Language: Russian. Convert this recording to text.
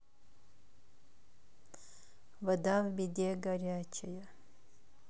вода в биде горячая